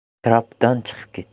trapdan chiqib ketdi